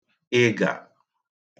ịgà